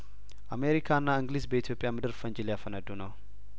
አሜሪካና እንግሊዝ በኢትዮጵያ ምድር ፈንጂ ሊያፈነዱ ነው